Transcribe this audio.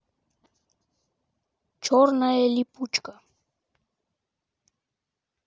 черная липучка